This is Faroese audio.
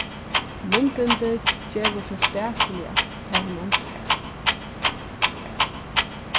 munnbindið gevur seg spakuliga tá hon andar